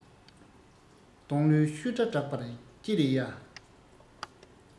སྡོང ལོས ཤུ སྒྲ བསྒྲགས པར སྐྱི རེ གཡའ